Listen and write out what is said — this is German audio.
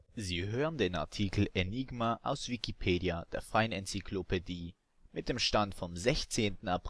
Sie hören den Artikel Enigma (Roman), aus Wikipedia, der freien Enzyklopädie. Mit dem Stand vom Der